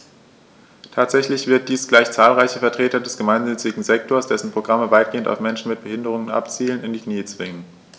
Tatsächlich wird dies gleich zahlreiche Vertreter des gemeinnützigen Sektors - dessen Programme weitgehend auf Menschen mit Behinderung abzielen - in die Knie zwingen.